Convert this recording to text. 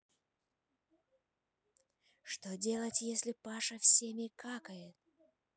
что делать если паша всеми какает